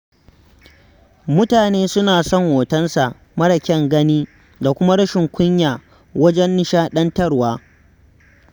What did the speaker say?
Mutane suna son hotonsa mara kyan gani da kuma rashin kunya wajen nishaɗantarwa.